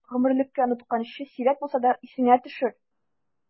Гомерлеккә онытканчы, сирәк булса да исеңә төшер!